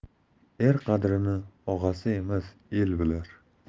er qadrini og'asi emas el bilar